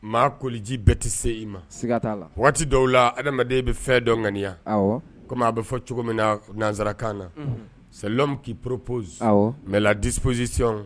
Maa koliji bɛɛ tɛ se i ma sigaka waati dɔw la adamadamaden bɛ fɛn dɔn ŋaniya kɔmi a bɛ fɔ cogo min na nanzsarakan na samu k'i porooposi mɛ ladipzsiɔn